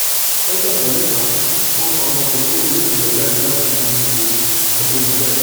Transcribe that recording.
Lọ́jọ́ Àbámẹ́ta, wọ́n fa ọmọkùnrin kékeré kan yọ jáde láti inú ihò agbómijáde.